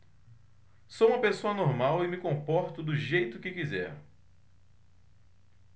sou homossexual e me comporto do jeito que quiser